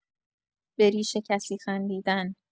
به ریش کسی خندیدن